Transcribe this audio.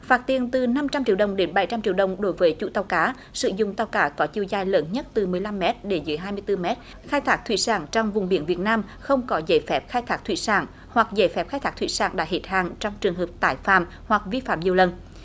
phạt tiền từ năm trăm triệu đồng đến bảy trăm triệu đồng đối với chủ tàu cá sử dụng tàu cá có chiều dài lớn nhất từ mười lăm mét đến dưới hai mươi tư mét khai thác thủy sản trong vùng biển việt nam không có giấy phép khai thác thủy sản hoặc giấy phép khai thác thủy sản đã hết hạn trong trường hợp tái phạm hoặc vi phạm nhiều lần